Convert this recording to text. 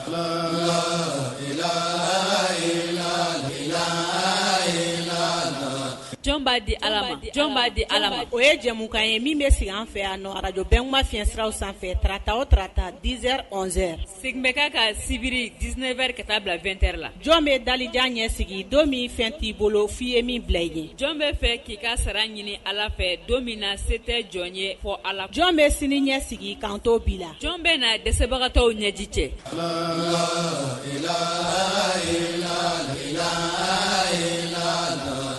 Di'a di ala o ye jɛmukan ye min bɛ sigi an fɛ a araj bɛɛ ma fi siraw sanfɛ tata o tata dizz segin ka ka sibiri diz wɛrɛri ka taa bila2ɛ la jɔn bɛ dajan ɲɛsin don min fɛn t'i bolo f'i ye min bila i ye jɔn bɛ fɛ k'i ka sara ɲini ala fɛ don min na se tɛ jɔn ye fɔ a la jɔn bɛ sini ɲɛsigi kan tɔw bi la jɔn bɛ na dɛsɛbagatɔw ɲɛji cɛ